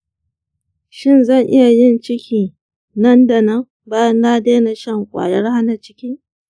shin zan iya yin ciki nan da nan bayan na daina shan kwayar hana ciki?